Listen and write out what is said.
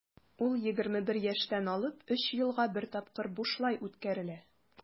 Ул 21 яшьтән алып 3 елга бер тапкыр бушлай үткәрелә.